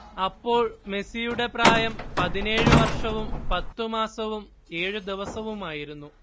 അപ്പോൾ മെസ്സിയുടെ പ്രായം പതിനേഴ് വർഷവും പത്ത് മാസവും ഏഴ് ദിവസവുമായിരുന്നു